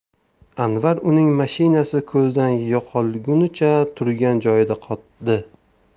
anvar uning mashinasi ko'zdan yo'qolgunicha turgan joyida qotdi